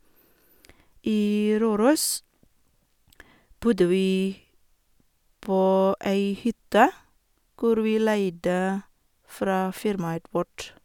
I Røros bodde vi på ei hytte, hvor vi leide fra firmaet vårt.